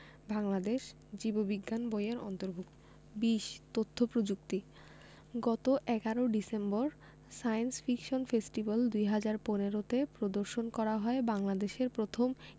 বাংলাদেশ জীব বিজ্ঞান বই এর অন্তর্ভুক্ত ২০ তথ্য প্রযুক্তি গত ১১ ডিসেম্বর সায়েন্স ফিকশন ফেস্টিভ্যাল ২০১৫ তে প্রদর্শন করা হয় বাংলাদেশের প্রথম